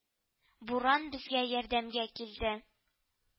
Буран безгә ярдәмгә килде